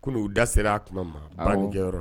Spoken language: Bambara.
Kunuun da ser'a kuma ma awɔ kɛyɔrɔ